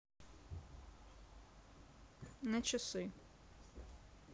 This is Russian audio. на часы